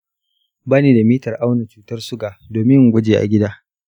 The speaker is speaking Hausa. bani da mitar auna cutar suga domin yin gwaji a gida.